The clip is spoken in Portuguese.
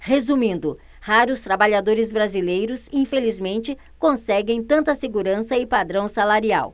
resumindo raros trabalhadores brasileiros infelizmente conseguem tanta segurança e padrão salarial